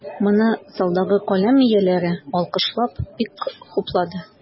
Моны залдагы каләм ияләре, алкышлап, бик хуплады.